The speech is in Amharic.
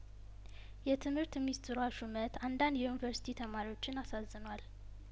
የትምህርት ሚኒስትሯ ሹመት አንዳንድ የኡንቨርስቲ ተማሪዎችን አሳዝኗል